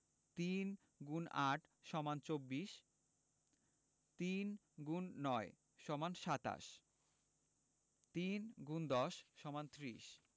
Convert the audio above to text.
৩ X ৮ = ২৪ ৩ X ৯ = ২৭ ৩ ×১০ = ৩০